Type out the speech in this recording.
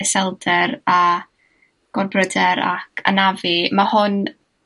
iselder a gorbryder ac anafu, ma' hon